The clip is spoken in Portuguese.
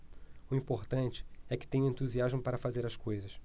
o importante é que tenho entusiasmo para fazer as coisas